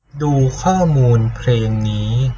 ดูข้อมูลเพลงนี้